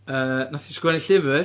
Yy wnaeth hi sgwennu llyfr.